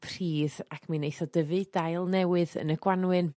pridd ac mi neith o dyfu dail newydd yn y Gwanwyn.